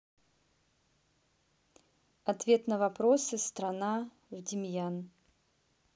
ответ на вопросы страна в демьян